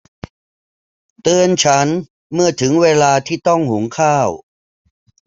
เตือนฉันเมื่อถึงเวลาที่ต้องหุงข้าว